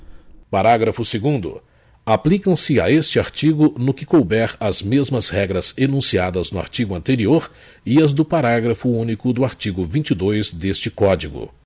parágrafo segundo aplicam se a este artigo no que couber as mesmas regras enunciadas no artigo anterior e as do parágrafo único do artigo vinte e dois deste código